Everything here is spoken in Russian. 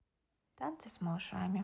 танцы с малышами